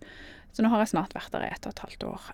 Så nå har jeg snart vært der i ett og et halvt år.